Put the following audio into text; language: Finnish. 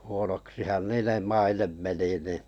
huonoksihan niiden maine meni niin